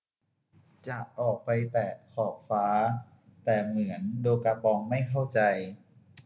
จะไปแตะขอบฟ้าแต่เหมือนโดกาปองไม่เข้าใจ